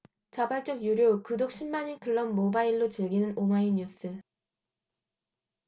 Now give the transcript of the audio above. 자발적 유료 구독 십 만인클럽 모바일로 즐기는 오마이뉴스